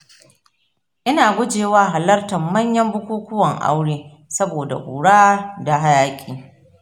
ina guje wa halartar manyan bukukuwan aure saboda ƙura da hayaki